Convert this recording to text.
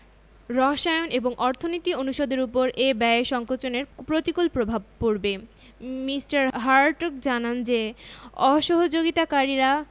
রসায়ন এবং অর্থনীতি অনুষদের ওপর এ ব্যয় সংকোচনের প্রতিকূল প্রভাব পড়বে মি. হার্টগ জানান যে অসহযোগিতাকারীরা